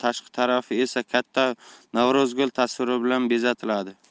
tashqi tarafi esa katta navro'zgul tasviri bilan bezatiladi